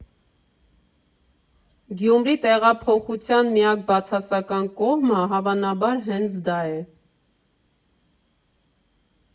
Գյումրի տեղափոխության միակ բացասական կողմը հավանաբար հենց դա է.